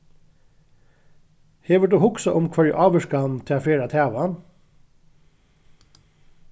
hevur tú hugsað um hvørja ávirkan tað fer at hava